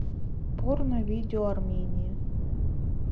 порно видео армении